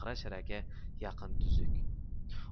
g'ira shiraga yaqin tuzzuk